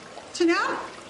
Ti'n iawn?